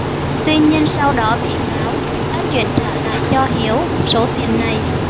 tuy nhiên sau đó bị cáo đã chuyển trả lại cho hiếu số tiền này